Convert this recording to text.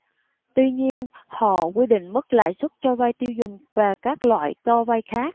tuy nhiên họ quy định mức lãi suất cho vay tiêu dùng và các loại cho vay khác